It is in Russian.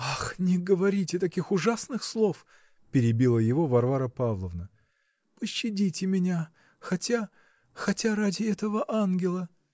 -- Ах, не говорите таких ужасных слов, -- перебила его Варвара Павловна, -- пощадите меня, хотя. хотя ради этого ангела.